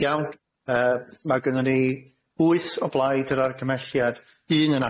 Iawn yy ma' gynnon ni wyth o blaid yr argymelliad un yn